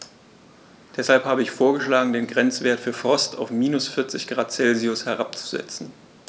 Deshalb habe ich vorgeschlagen, den Grenzwert für Frost auf -40 ºC herabzusetzen.